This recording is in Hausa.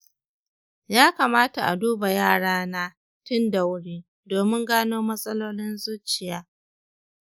ya kamata a duba yarana tun da wuri domin gano matsalolin zuciya?